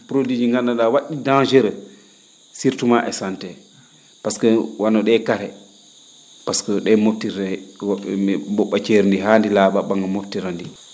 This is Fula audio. produit ji ngandan?aa wa??i dangereux surtout maa e santé par ce que wano ?ee kare par ce que ?ee mobtirtee wo??e ?ee ?o??a ceeri ndii haa ndi laa?a ?a?a mobtira ndi